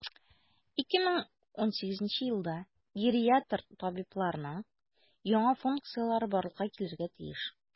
2018 елда гериатр табибларның яңа функцияләре барлыкка килергә тиеш.